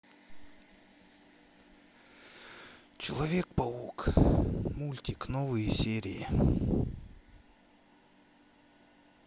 человек паук мультик новые серии